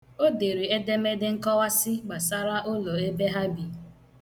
O dere edemede nkọwasị gbasara ụlọ ebe ha bi.